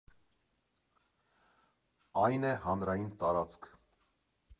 Այն է՝ հանրային տարածք։